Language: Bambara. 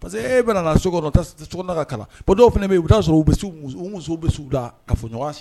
Parce que e bɛna so ka kalan dɔw fana bɛ yen u bɛ' sɔrɔ u bɛ ka fɔ ɲɔgɔn